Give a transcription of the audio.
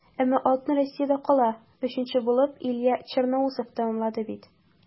Әмма алтын Россиядә кала - өченче булып Илья Черноусов тәмамлады бит.